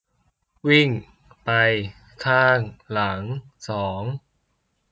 วิ่งไปข้างหลังสอง